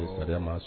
I ma so